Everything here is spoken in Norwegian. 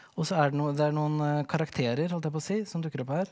og så er det noe det er noen karakterer holdt jeg på å si som dukker opp her.